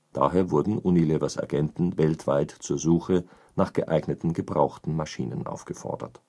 Daher wurden Unilevers Agenten weltweit zur Suche nach geeigneten gebrauchten Maschinen aufgefordert